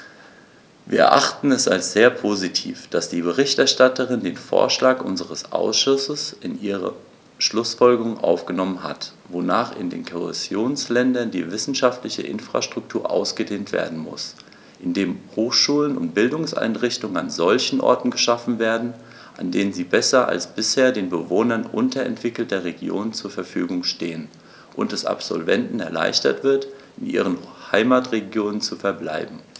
Wir erachten es als sehr positiv, dass die Berichterstatterin den Vorschlag unseres Ausschusses in ihre Schlußfolgerungen aufgenommen hat, wonach in den Kohäsionsländern die wissenschaftliche Infrastruktur ausgedehnt werden muss, indem Hochschulen und Bildungseinrichtungen an solchen Orten geschaffen werden, an denen sie besser als bisher den Bewohnern unterentwickelter Regionen zur Verfügung stehen, und es Absolventen erleichtert wird, in ihren Heimatregionen zu verbleiben.